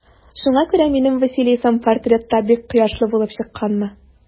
Шуңа күрә минем Василисам портретта бик кояшлы булып чыкканмы?